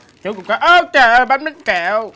chú cũng có ơ kìa bánh bánh kẹo